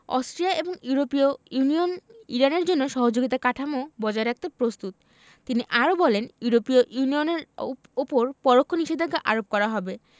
Austria এবং ইউরোপীয় union ইরানের জন্য সহযোগিতা কাঠামো বজায় রাখতে প্রস্তুত তিনি আরও বলেন ইউরোপীয় ইউনিয়নের ওপর পরোক্ষ নিষেধাজ্ঞা আরোপ করা হবে